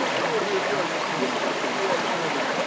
Который раз тебе повторять надо?